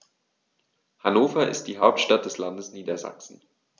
Hannover ist die Hauptstadt des Landes Niedersachsen.